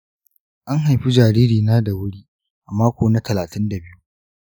an haifi jaririna da wuri a mako na talatin da biyu.